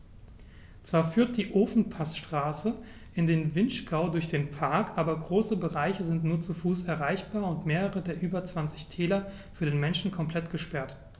Zwar führt die Ofenpassstraße in den Vinschgau durch den Park, aber große Bereiche sind nur zu Fuß erreichbar und mehrere der über 20 Täler für den Menschen komplett gesperrt.